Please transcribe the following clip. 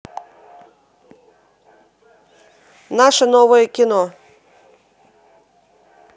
наше новое кино